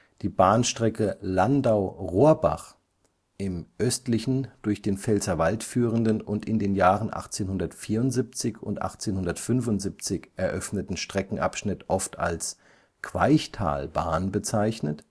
Die Bahnstrecke Landau – Rohrbach – im östlichen, durch den Pfälzerwald führenden und in den Jahren 1874 und 1875 eröffneten Streckenabschnitt oft als „ Queichtalbahn “bezeichnet